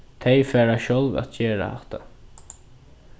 tey fara sjálv at gera hatta